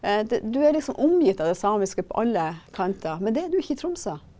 det du er liksom omgitt av det samiske på alle kanter, men det er du ikke i Tromsø.